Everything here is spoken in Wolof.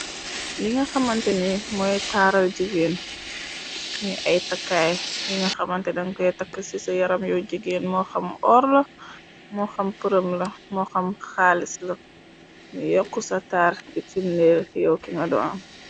Li nga xamante ni mooy taaral jigeen nuy ay takkaay yi nga xamante dankoy takk ci ca yaram. Yu jigeen moo xam orla moo xam përëm la moo xam xaalis la ni yokku sa taar di firneer yew ki nga doan.